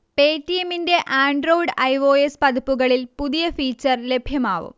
പേറ്റിയമ്മിന്റെ Android I. O. S പതിപ്പുകളിൽ പുതിയ feature ലഭ്യമാവും